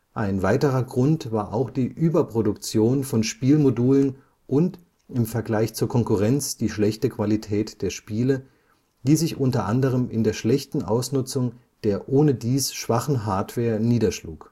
Ein weiterer Grund war auch die Überproduktion von Spielemodulen und im Vergleich zur Konkurrenz die schlechte Qualität der Spiele, die sich unter anderem in der schlechten Ausnutzung der ohnedies schwachen Hardware niederschlug